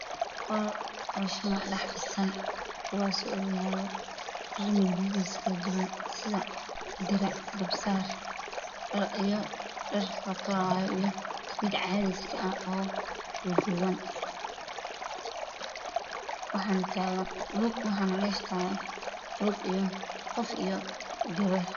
Waa qol waxaa kufidsan shamac waxaa dhex yaalo dhar midabkiisu kale duwan yahay sida dirac, garbasaar, dhar lawato iyo mid caadi iska ah oo duuduuban waxaa meesha taagan qof iyo gabar.